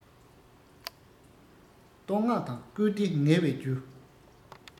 བསྟོད བསྔགས དང བཀུར བསྟི ངལ བའི རྒྱུ